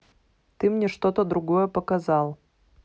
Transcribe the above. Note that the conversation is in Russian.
ты мне что то другое показал